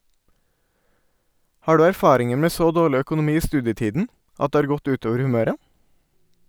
Har du erfaringer med så dårlig økonomi i studietiden at det har gått utover humøret?